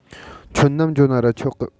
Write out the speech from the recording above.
ཁྱོད ནམ འགྱོ ན ར ཆོག གི